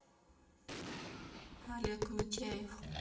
олег митяев